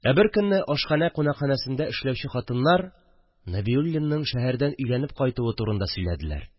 Ә бер көнне ашхәнә кунакханәсендә эшләүче хатыннар Нәбиуллинның шәһәрдән өйләнеп кайтуы турында сөйләделәр